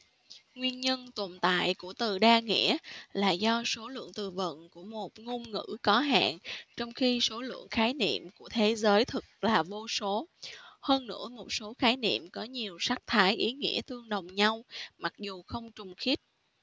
nguyên nhân tồn tại của từ đa nghĩa là do số lượng từ vựng của một ngôn ngữ có hạn trong khi số lượng khái niệm của thế giới thực là vô số hơn nữa một số khái niệm có nhiều sắc thái ý nghĩa tương đồng nhau mặc dù không trùng khít